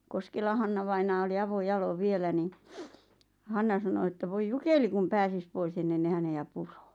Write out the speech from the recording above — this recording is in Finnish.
Koskelan Hanna-vainaja oli avojaloin vielä niin Hanna sanoi että voi jukeli kun pääsisi pois ennen ne häntä puree